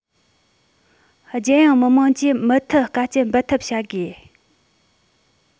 རྒྱལ ཡོངས མི དམངས ཀྱིས མུ མཐུད དཀའ སྤྱད འབད འཐབ བྱ དགོས